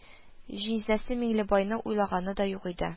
Җизнәсе Миңлебайны уйлаганы да юк иде